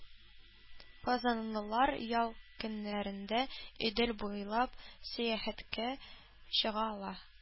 Казанлылар ял көннәрендә Идел буйлап сәяхәткә чыга ала.